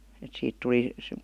että siitä tuli